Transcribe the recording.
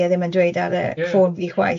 e ddim yn dweud ar y... yeah... ffôn fi chwaith